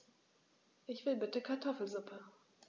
Ich will bitte Kartoffelsuppe.